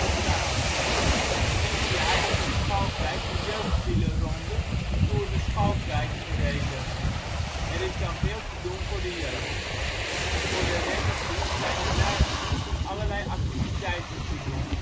Zwaan. Ieder jaar wordt in Schalkwijk de jeugdwielerronde " Tour de Schalkwijk " gereden. Er is dan veel te doen voor de jeugd. Voor de rennertjes zijn er na het fietsen allerlei activiteiten te doen